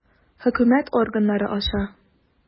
Хөкүмәт органнары аша.